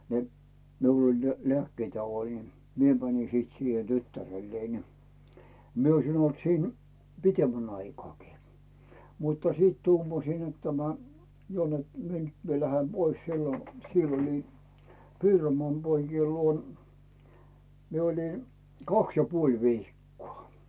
ne minulla oli ne lääkkeet ja olin minä menin sitten siihen tyttärelleni niin minä olisin ollut siinä pitemmän aikaakin mutta sitten tuumasin että tämä jo että minä nyt minä lähden pois silloin siellä olin Piironmaan poikien luona minä olin kaksi ja puoli viikkoa